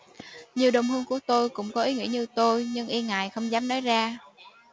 nhiều đồng hương của tôi cũng có ý nghĩ như tôi nhưng e ngại không dám nói ra